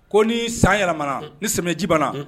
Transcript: Ko ni san yɛlɛmana; Un; ni samiɲɛji banna; Un.